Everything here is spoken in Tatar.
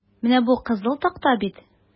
Менә бу кызыл такта бит?